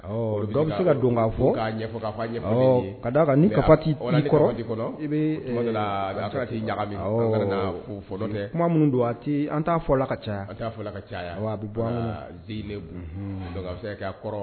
Awɔ dɔ bɛ se ka don k'a fɔ kuma minnu don a an t'a fɔla ka caya, an t'a fɔ ka caya, awɔ a bɛ bɔ an kɔnɔ